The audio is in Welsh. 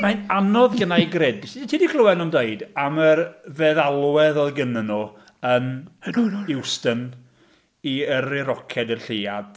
Mae'n anodd genna i gred- Ti di clywed nhw'n dweud am yr feddalwedd oedd gennyn nhw yn Euston i yrru roced i'r Lleuad